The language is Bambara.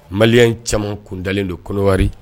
Maliɲɛn caaman kun dalenlen don Kɔrɔwari.